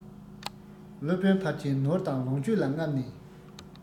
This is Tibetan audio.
སློབ དཔོན ཕལ ཆེར ནོར དང ལོངས སྤྱོད ལ རྔམ ནས